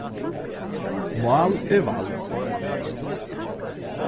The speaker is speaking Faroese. mál er vald